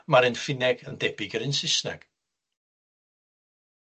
Ma'r un Ffinneg yn debyg i'r un Sysneg.